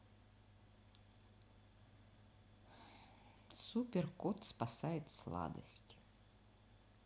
супер кот спасает сладости